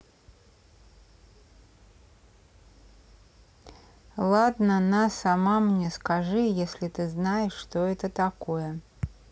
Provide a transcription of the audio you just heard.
ладно на сама мне скажи если ты знаешь что это такое